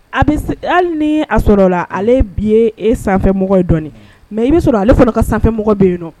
Hali ni a sɔrɔ la ale bi e sanfɛmɔgɔ ye dɔn mɛ i bɛ sɔrɔ ale fɔlɔ ka sanfɛmɔgɔ bɛ yen